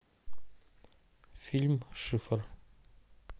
фильм шифр